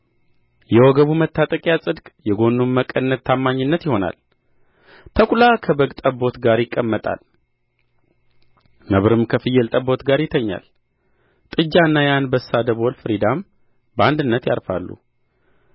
የወገቡ መታጠቂያ ጽድቅ የጎኑም መቀነት ታማኝነት ይሆናል ተኵላ ከበግ ጠቦት ጋር ይቀመጣል ነብርም ከፍየል ጠቦት ጋር ይተኛል ጥጃና የአንበሳ ደቦል ፍሪዳም በአንድነት ያርፋሉ